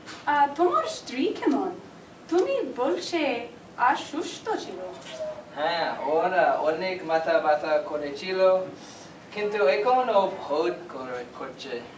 তোমার স্ত্রী কেমন তুমি বলেছিলে ও অসুস্থ ছিল হ্যাঁ ওর অনেক মাথা ব্যথা করছিল কিন্তু এখন ও বোধ করছে